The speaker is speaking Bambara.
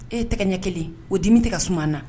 E tɛgɛ ɲɛ kelen o dimi tɛ ka suma na